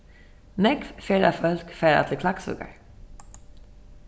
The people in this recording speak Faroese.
nógv ferðafólk fara til klaksvíkar